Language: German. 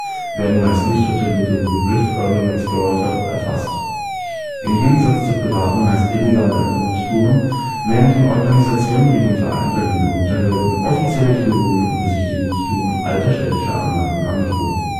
werden meist nicht unter dem Begriff Urban Explorer erfasst. Im Gegensatz zu privaten, meist illegalen Erkundungstouren werden von Organisationen wie dem Verein Berliner Unterwelten, offizielle Führungen und Besichtigungstouren alter städtischer Anlagen angeboten